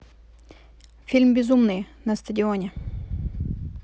фильм безумные на стадионе